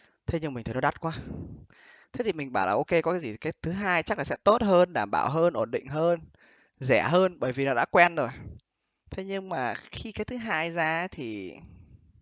thế nhưng mình thấy nó đắt quá thế thì mình bảo là ô kê có gì các thứ hai chắc là sẽ tốt hơn đảm bảo hơn ổn định hơn rẻ hơn bởi vì là đã quen rồi thế nhưng mà khi cái thứ hai ra thì